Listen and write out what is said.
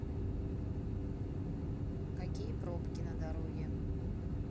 какие пробки на дороге